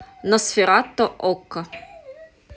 носферато окко